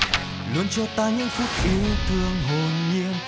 luôn cho ta những phút yêu thương hồn nhiên